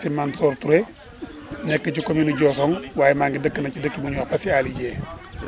El Hadj Mansour Touré nekk ci commune nu Diosone waaye maa ngi dëkk nag ci dëkk bu ñuy wax Passy Aly Dieng